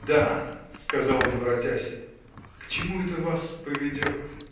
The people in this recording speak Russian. – Да, – сказал он, воротясь, – к чему это вас поведет?